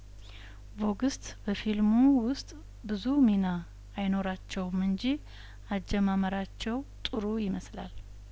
ቮግስት በፊልሙ ውስጥ ብዙ ሚና አይኖራቸውም እንጂ አጀማመራቸው ጥሩ ይመስላል